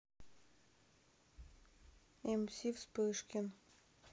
эмси вспышкин